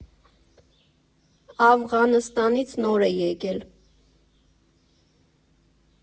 Աֆղանստանից նոր է եկել։